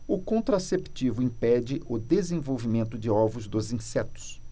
o contraceptivo impede o desenvolvimento de ovos dos insetos